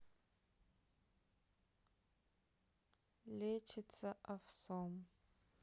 лечиться овсом